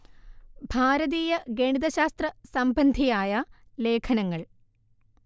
ഭാരതീയ ഗണിത ശാസ്ത്ര സംബന്ധിയായ ലേഖനങ്ങൾ